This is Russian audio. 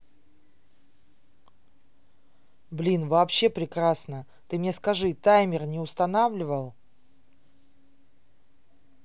блин вообще прекрасно ты мне скажи таймер не устанавливал